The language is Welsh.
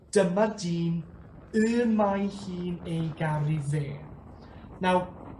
dyma dyn y mae hi'n ei garu fe. Nawr